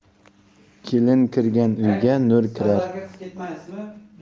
kelin kirgan uyga nur kirar